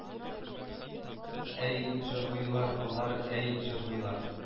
Әй җырлыйлар болар әй җырлыйлар